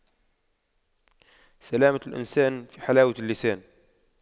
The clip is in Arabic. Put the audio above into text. سلامة الإنسان في حلاوة اللسان